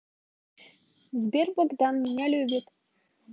сбер богдан меня любит